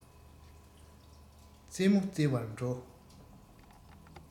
རྩེད མོ རྩེ བར འགྲོ